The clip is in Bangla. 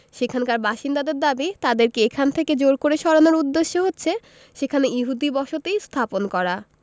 সেখানকার বাসিন্দাদের দাবি তাদেরকে এখান থেকে জোর করে সরানোর উদ্দেশ্য হচ্ছে সেখানে ইহুদি বসতি স্থাপন করা